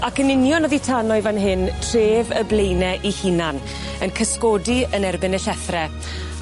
Ac yn union oddi tano i fan hyn, tref y Blaenau 'i hunain yn cysgodi yn erbyn y llethre